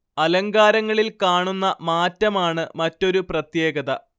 അലങ്കാരങ്ങളിൽ കാണുന്ന മാറ്റമാണ് മറ്റൊരു പ്രത്യേകത